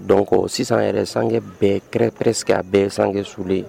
Don sisan yɛrɛ san bɛɛ -s a bɛɛ sanslen